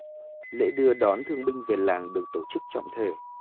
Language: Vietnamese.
lễ đưa đón thương binh về làng được tổ chức trọng thể